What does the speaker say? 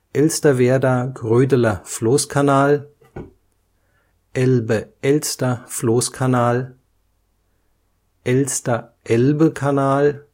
Elsterwerda-Grödeler Floßkanal, Elbe-Elster-Floßkanal, Elster-Elbe-Canal